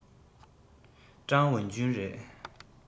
ཀྲང ཝུན ཅུན རེད